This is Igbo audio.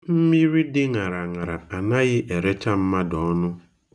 Mmiri dị naranara anaghị erecha mmadụ ọnụ.